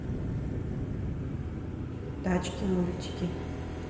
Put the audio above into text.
тачки мультики